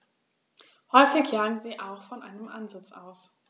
Häufig jagen sie auch von einem Ansitz aus.